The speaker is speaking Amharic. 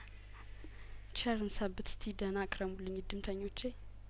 ቸር እንሰንብት እስቲ ደህና ክረሙልኛ እድምተኞቼ